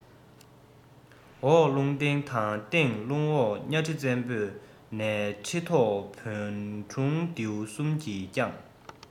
འོག རླུང སྟེང དང སྟེང རླུང འོག གཉའ ཁྲི བཙན པོ ནས ཁྲི ཐོག བོན སྒྲུང ལྡེའུ གསུམ གྱིས བསྐྱངས